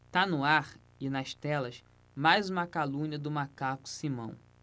tá no ar e nas telas mais uma calúnia do macaco simão